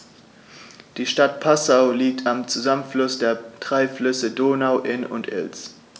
Die Stadt Passau liegt am Zusammenfluss der drei Flüsse Donau, Inn und Ilz.